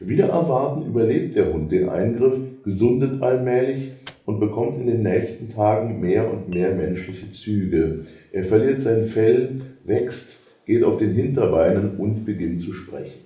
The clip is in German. Wider Erwarten überlebt der Hund den Eingriff, gesundet allmählich und bekommt in den nächsten Tagen mehr und mehr menschliche Züge: Er verliert sein Fell, wächst, geht auf den Hinterbeinen und beginnt zu sprechen.